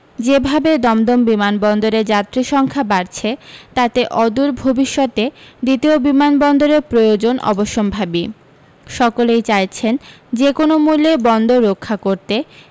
যে ভাবে দমদম বিমানবন্দরে যাত্রী সংখ্যা বাড়ছে তাতে অদূর ভবিষ্যতে দ্বিতীয় বিমানবন্দরের প্রয়োজন অবশ্যম্ভাবী সকলেই চাইছেন যে কোনও মূল্যে বন্দর রক্ষা করতে